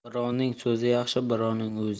birovning so'zi yaxshi birovning o'zi